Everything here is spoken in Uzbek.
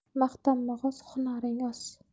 maqtanma g'oz hunaring oz